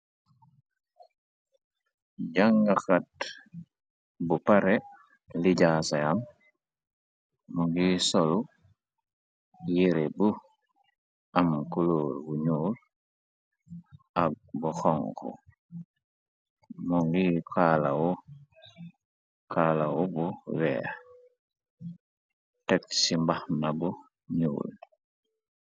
Jangaxat bu pareh lijaasaam mu ngi sol yere bu am kuloor bu nuul ak bu xonxo mo ngi kalawu kalawu bu weex teg ci mbaxana bu nuul.